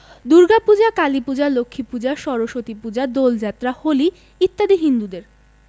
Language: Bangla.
দুর্গাপূজা কালীপূজা লক্ষ্মীপূজা সরস্বতীপূজা দোলযাত্রা হোলি ইত্যাদি হিন্দুদের